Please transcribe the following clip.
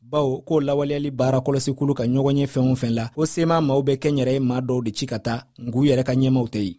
bawo k'o lawaleyali baaralakɔlɔsi kulu ka ɲɔgɔnye fɛn o fɛn la o sema maaw bɛ kɛnyɛrɛye maa dɔ de ci ka taa nk'u yɛrɛ ka ɲɛmaaw tɛ yen